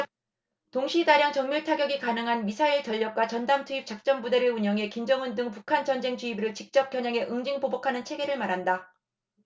동시 다량 정밀타격이 가능한 미사일 전력과 전담 투입 작전부대를 운용해 김정은 등 북한 전쟁지휘부를 직접 겨냥해 응징 보복하는 체계를 말한다